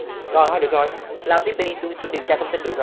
rồi thôi được rồi lau tiếp đi tui tui điều tra thông tin được